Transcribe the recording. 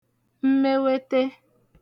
mmewete